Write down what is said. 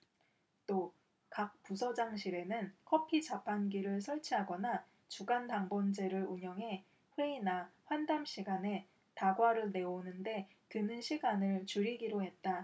또 각 부서장실에는 커피자판기를 설치하거나 주간 당번제를 운영해 회의나 환담 시간에 다과를 내오는 데 드는 시간을 줄이기로 했다